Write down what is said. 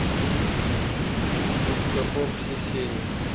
губка боб все серии